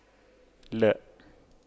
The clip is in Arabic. لا